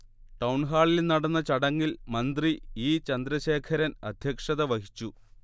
ടൗൺഹാളിൽ നടന്ന ചടങ്ങിൽ മന്ത്രി ഇ. ചന്ദ്രശേഖരൻ അധ്യക്ഷതവഹിച്ചു